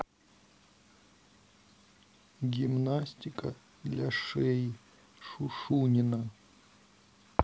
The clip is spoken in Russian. гимнастика для шеи шушунина